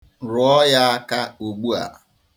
Rụọ ya aka ugbua.